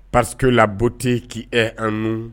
Paris laboti k' e an n